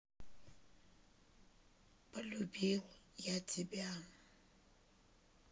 полюбил я тебя